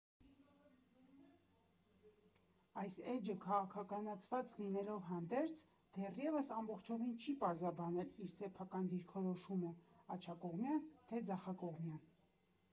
Այս էջը քաղաքականացված լինելով հանդերձ՝ դեռևս ամբողջովին չի պարզաբանել իր սեփական դիրքորոշումը՝ աջակողմյան, թե ձախակողմյան։